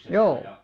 joo